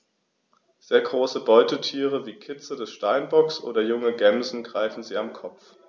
Sehr große Beutetiere wie Kitze des Steinbocks oder junge Gämsen greifen sie am Kopf.